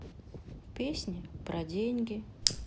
песни про деньги